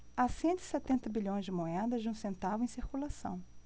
há cento e setenta bilhões de moedas de um centavo em circulação